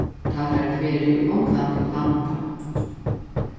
tá teir høvdu verið í onglandi og landað